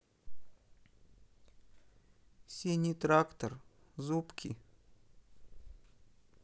синий трактор зубки